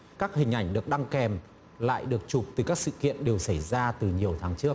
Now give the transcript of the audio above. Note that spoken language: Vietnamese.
các hình ảnh được đăng kèm lại được chụp từ các sự kiện đều xảy ra từ nhiều tháng trước